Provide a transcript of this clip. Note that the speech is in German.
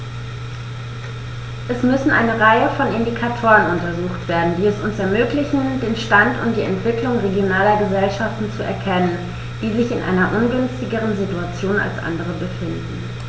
Es müssen eine Reihe von Indikatoren untersucht werden, die es uns ermöglichen, den Stand und die Entwicklung regionaler Gesellschaften zu erkennen, die sich in einer ungünstigeren Situation als andere befinden.